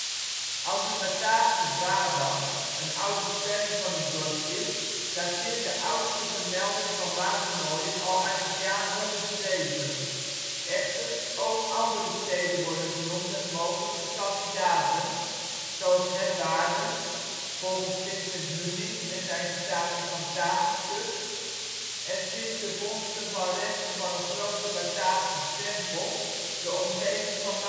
Als het Bataafse Vadam een oude spelling van het dorp is, dateert de oudste vermelding van Wadenoijen al uit het jaar 107. Echter, ook andere steden worden genoemd als mogelijke kandidaten, zoals Herwaarden (volgens Vincent Hunink in zijn vertaling van Tacitus) en sinds de vondst van resten van een grote Bataafse tempel, de omgeving van